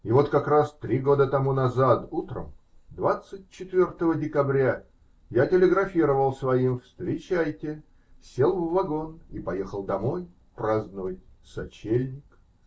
И вот, как раз три года тому назад, утром двадцать четвертого декабря, я телеграфировал своим: "Встречайте", сел в вагон и поехал домой праздновать сочельник.